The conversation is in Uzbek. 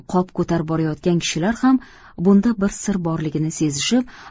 qop ko'tarib borayotgan kishilar ham bunda bir sir borligini sezishib